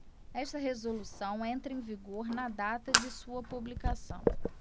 esta resolução entra em vigor na data de sua publicação